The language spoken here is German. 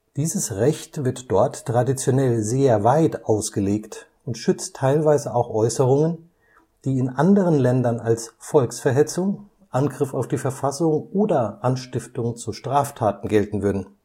Dieses Recht wird dort traditionell sehr weit ausgelegt und schützt teilweise auch Äußerungen, die in anderen Ländern als Volksverhetzung, Angriff auf die Verfassung oder Anstiftung zu Straftaten gelten würden